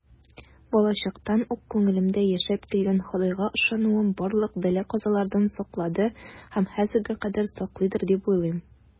Балачактан ук күңелемдә яшәп килгән Ходайга ышануым барлык бәла-казалардан саклады һәм хәзергә кадәр саклыйдыр дип уйлыйм.